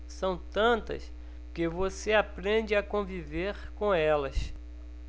são tantas que você aprende a conviver com elas